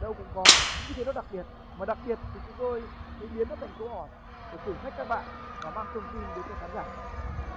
đâu cũng có như thế nó đặc biệt mà đặc biệt thì chúng tôi mới biến nó thành câu hỏi để thử thách các bạn và mang thông tin đến cho khán giả